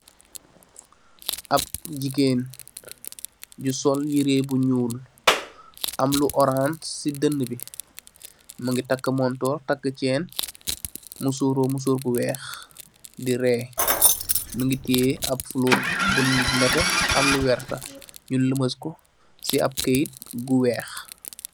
Ap jigeen ñu sol yirèh bu ñuul am lu orans si dënabi, mugii takka montórr, takka cèèn, musór ro mesór gu wèèx di réé. Mugii teyeh am fulor bu netteh am lu werta, ñi lëmës ko ci ap kayit gu wèèx.